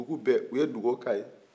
u bɛɛ u ye dugawu kɛ a ye